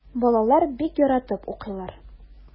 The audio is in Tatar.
Балалар бик яратып укыйлар.